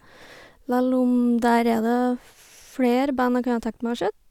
Lell om der er det flere band jeg kunne ha tenkt meg å sett.